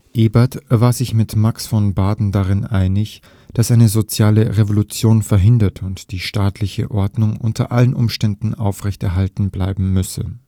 Ebert war sich mit Max von Baden darin einig, dass eine soziale Revolution verhindert und die staatliche Ordnung unter allen Umständen aufrechterhalten bleiben müsse